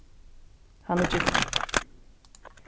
hann er giftur